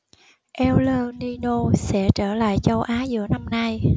el nino sẽ trở lại châu á giữa năm nay